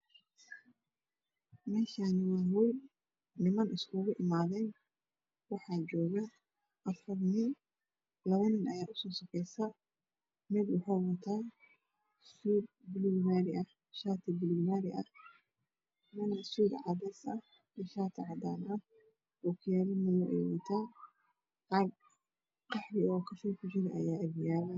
Meshan waa hol niman iskugu imaden waxa joga Afar nin Labonin ayaa usosokeysa mida waxa wata suud balugmariah shatibalugmariah midna Sud cades ah iyo shaticadan ah okiyala madow ah ayuwataa cagqaxwi okafey kujira ayaa Ag yaalo